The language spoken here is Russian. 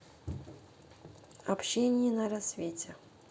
обещание на рассвете